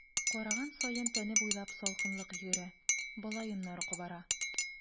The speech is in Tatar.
Караган саен тәне буйлап салкынлык йөгерә, бала йоннары кабара.